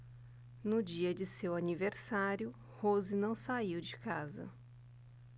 no dia de seu aniversário rose não saiu de casa